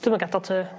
Dwi'm yn gadal tŷ.